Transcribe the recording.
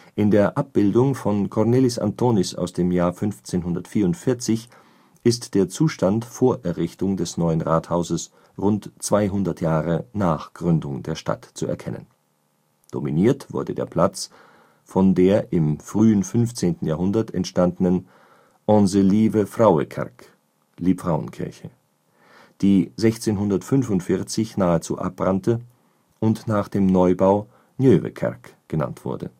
In der Abbildung von Cornelis Anthonisz aus dem Jahr 1544 ist der Zustand vor Errichtung des neuen Rathauses rund zweihundert Jahre nach Gründung der Stadt zu erkennen. Dominiert wurde der Platz von der im frühen 15. Jahrhundert entstandenen Onze Lieve Vrouwekerk („ Liebfrauenkirche “), die 1645 nahezu abbrannte und nach dem Neubau Nieuwe Kerk genannt wurde